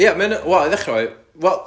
ia ma' hynna... wel i ddechra efo hi wel...